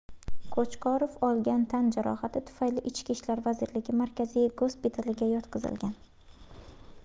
qo'chqorov olgan tan jarohati tufayli ichki ishlar vazirligi markaziy gospitaliga yotqizilgan